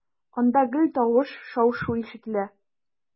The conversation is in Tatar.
Анда гел тавыш, шау-шу ишетелә.